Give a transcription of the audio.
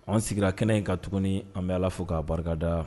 An sigira kɛnɛ in ka tuguni an bɛ ala fo k'a barikada